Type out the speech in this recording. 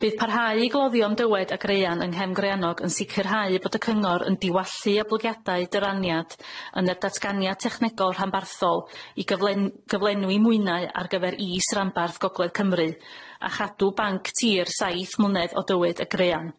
Bydd parhau i gloddio am dywed y graean yng ngehfn Graianog yn sicirhau bod y cyngor yn diwallu oblygiadau dyraniad yn y datganiad technegol rhanbarthol i gyflen- gyflenwi mwynau ar gyfer is-ranbarth Gogledd Cymru a chadw banc tir saith mlynedd o dywyd a graean.